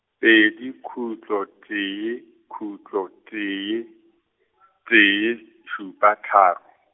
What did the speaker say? pedi khutlo tee khutlo tee , tee šupa tharo.